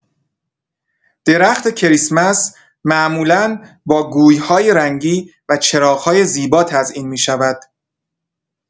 درخت کریسمس معمولا با گوی‌های رنگی و چراغ‌های زیبا تزئین می‌شود.